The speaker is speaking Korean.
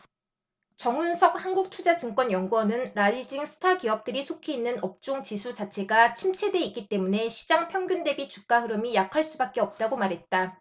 정훈석 한국투자증권 연구원은 라이징 스타 기업들이 속해 있는 업종지수 자체가 침체돼 있기 때문에 시장 평균 대비 주가 흐름이 약할 수밖에 없다고 말했다